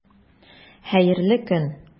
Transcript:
Хәерле көн!